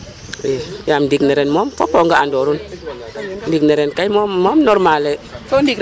II yaam ndiig ne ren moom fop o nga'andoorun ndiig ne ren kay moom moom normaler.